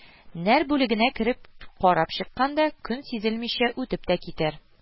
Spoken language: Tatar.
Нәр бүлегенә кереп карап чыкканда, көн сизелмичә үтеп тә китәр